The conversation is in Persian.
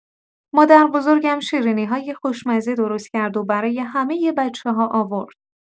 مادربزرگم شیرینی‌های خوشمزه درست کرد و برای همۀ بچه‌ها آورد.